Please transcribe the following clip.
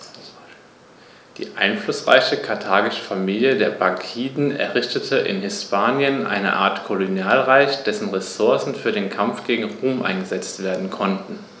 Die einflussreiche karthagische Familie der Barkiden errichtete in Hispanien eine Art Kolonialreich, dessen Ressourcen für den Kampf gegen Rom eingesetzt werden konnten.